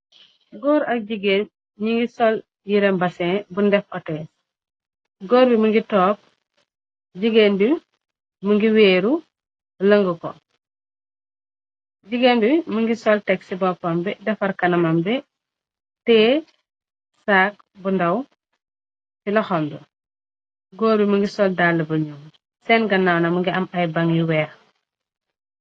Gór ak jigéen ñi ngi sol yirèh basin buñ dèf otess. Gór bi mugii tóóg jigeen bi mugii wèru languko, jigeen bi mugii sol tèk ci bópambi defarr kanamam teyeh sak bu ndaw ci loxom bi, gór bi mugii sol dàlla bu ñuul sèèn ganaw na mi ngi am ay baŋ yu wèèx .